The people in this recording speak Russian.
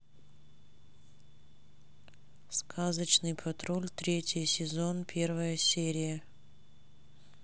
сказочный патруль третий сезон первая серия